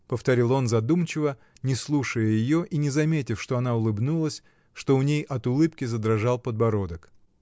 — повторил он задумчиво, не слушая ее и не заметив, что она улыбнулась, что у ней от улыбки задрожал подбородок.